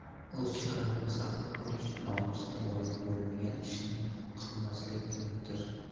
o'z sharafini saqlab qolish nomusga loyiq bo'lmagan ishni qilmaslik demakdir